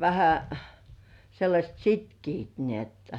vähän sellaiset sitkeät niin jotta